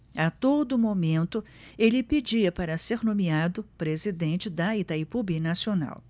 a todo momento ele pedia para ser nomeado presidente de itaipu binacional